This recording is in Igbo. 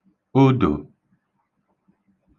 odò